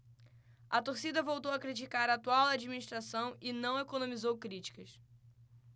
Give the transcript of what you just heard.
a torcida voltou a criticar a atual administração e não economizou críticas